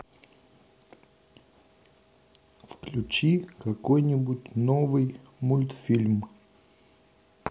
включи какой нибудь новый мультфильм